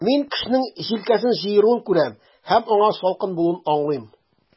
Мин кешенең җилкәсен җыеруын күрәм, һәм аңа салкын булуын аңлыйм.